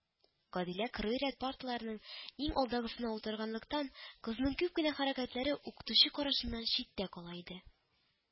Гадилә кырый рәт парталарның иң алдагысында утырганлыктан, кызның күп кенә хәрәкәтләре укытучы карашыннан читтә кала иде